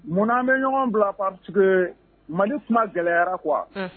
Munnaan bɛ ɲɔgɔn bila pa mali tuma gɛlɛyara qu